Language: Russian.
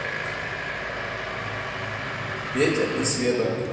петя и света